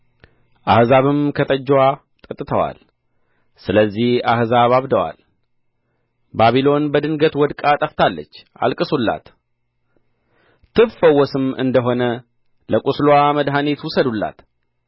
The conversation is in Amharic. አሕዛብም ከጠጅዋ ጠጥተዋል ስለዚህ አሕዛብ አብደዋል ባቢሎን በድንገት ወድቃ ጠፍታለች አልቅሱላት ትፈወስም እንደ ሆነ ለቁስልዋ መድኃኒት ውሰዱላት